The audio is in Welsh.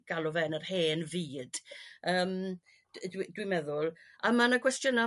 galw fe'n yr hen fyd yrm d- dw- dwi meddwl a ma' 'na gwestiyna'